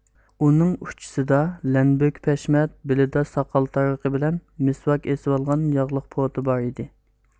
ئۇنىڭ ئۇچىسىدا لەنبۆك پەشمەت بېلىدە ساقال تارغىقى بىلەن مىسۋاك ئېسىلغان ياغلىق پوتا بار ئىدى